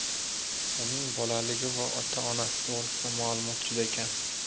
uning bolaligi va ota onasi to'grisida ma'lumot juda kam